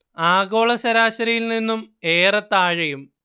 ആഗോള ശരാശരിയിൽ നിന്നും ഏറെ താഴെയും